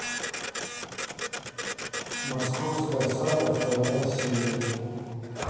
московская сага вторая серия